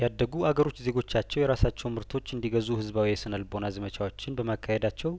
ያደጉ አገሮች ዜጐቻቸው የራሳቸውንምርቶች እንዲ ገዙ ህዝባዊ የስነ ልቦና ዘመቻዎችን በማካሄዳቸው